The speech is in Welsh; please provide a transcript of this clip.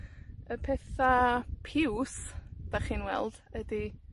Y petha piws 'dach chi'n weld, ydi,